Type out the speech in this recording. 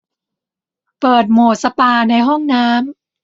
เปิดโหมดสปาในห้องน้ำ